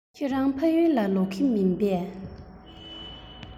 ཁྱེད རང ཕ ཡུལ ལ ལོག གི མིན པས